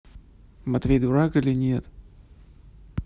матвей дурак или нет